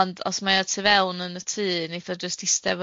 Ond os mauo tu fewn yn y tŷ, neith o jyst ista